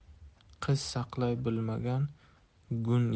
qiz saqlay bilmagan gung etar